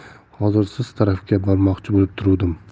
ham hozir siz tarafga bormoqchi bo'lib turuvdim